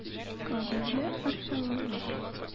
Кадерле арчалылар!